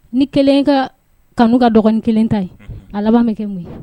Ni kelen ka kanu ka dɔgɔnini kelen ta ye a laban bɛ kɛ mun